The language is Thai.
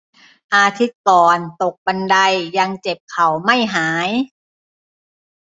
อาทิตย์ก่อนตกบันไดยังเจ็บเข่าไม่หาย